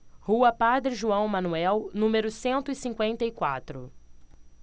rua padre joão manuel número cento e cinquenta e quatro